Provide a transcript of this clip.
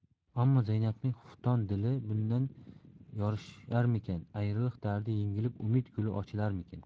ammo zaynabning xufton dili bundan yorisharmikin ayriliq dardi yengilib umid guli ochilarmikin